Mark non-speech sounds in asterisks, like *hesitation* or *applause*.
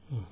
*hesitation*